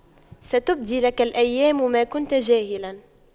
ستبدي لك الأيام ما كنت جاهلا